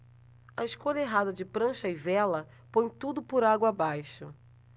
a escolha errada de prancha e vela põe tudo por água abaixo